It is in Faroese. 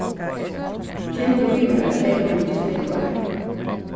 kemur tú við mær at keypa nýggjar skógvar